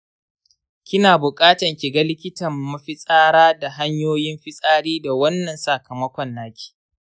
kina bukatan kiga likitan mafitsara da hanyoyin fitsari da wannan sakamakon naki.